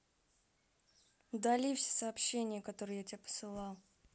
удали все сообщения которые я тебе посылал